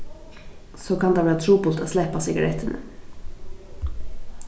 so kann tað vera trupult at sleppa sigarettini